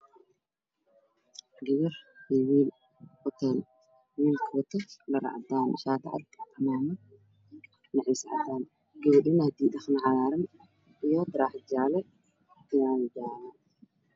Waa aqal hore lkiisii ahayd cid laba qof ayaa horfadhiya nin iyo naag wata cidii dhaqan ninka wato dhabcan gabadha wato jaalo